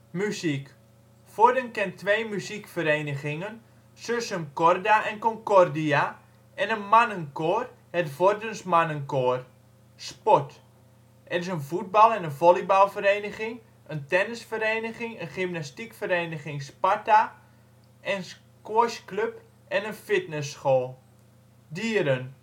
Muziek: Vorden kent twee muziekverenigingen (Sursum Corda en Concordia) en een mannenkoor (Vordens mannenkoor) Sport: voetbal - en volleybalvereniging, tennisvereniging, gymnastiekvereniging Sparta en squashclub en een fitnessschool Dieren